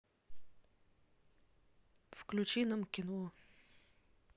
включи нам кино